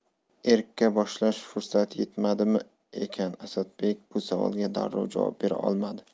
erkka boshlash fursati yetmadimi ekan asadbek bu savolga darrov javob bera olmadi